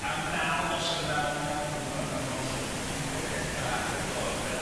Am naw noson a naw naw niwrnod a mae mond lly- un porchell bach o'i foch de.